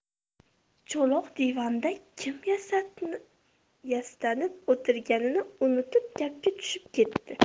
cho'loq divanda kim yastanib o'tirganini unutib gapga tushib ketdi